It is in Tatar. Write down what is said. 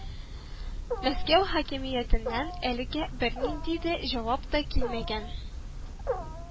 Мәскәү хакимиятеннән әлегә бернинди дә җавап та килмәгән